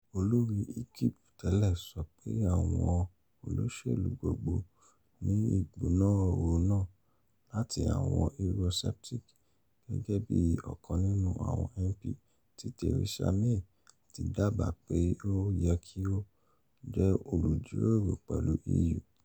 Olori Ukip tẹlẹ sọ pe awọn oloselu gbọdọ 'ni igbona ooru naa' lati awọn Eurosceptics - gẹgẹbi ọkan nínú awọn MP ti Theresa May ti daba pe o yẹ ki o jẹ olujiroro pẹlu EU: